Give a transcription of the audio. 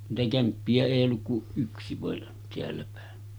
niitä kämppiä ei ollut kuin yksi vain täälläpäin